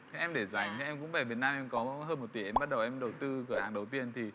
em để dành em cũng về việt nam có hơn một tỷ em bắt đầu em đầu tư cửa hàng đầu tiên thì